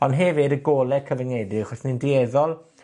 Ond hefyd y gole cyfyngiedig 'chos ni'n dueddol